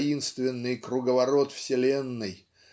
таинственный круговорот вселенной